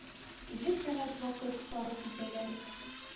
Илле сәгать вакыт сарыф итәләр.